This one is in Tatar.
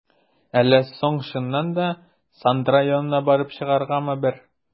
Әллә соң чыннан да, Сандра янына барып чыгаргамы бер?